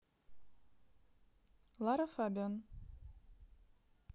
lara fabian